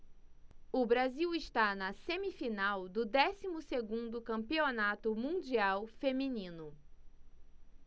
o brasil está na semifinal do décimo segundo campeonato mundial feminino